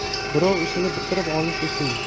birov ishini bitirib olish uchun